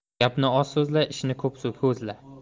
gapni oz so'zla ishni ko'p ko'zla